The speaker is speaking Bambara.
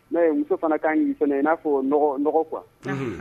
N' ye muso fana ka kan'i fana ye i n'a fɔ n nɔgɔ kuwa